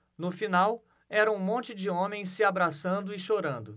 no final era um monte de homens se abraçando e chorando